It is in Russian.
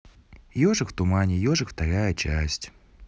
ежик в тумане ежик вторая часть